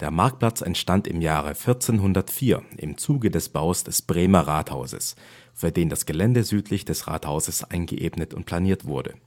Marktplatz entstand im Jahre 1404 im Zuge des Baus des Bremer Rathauses, für den das Gelände südlich des Rathauses eingeebnet und planiert wurde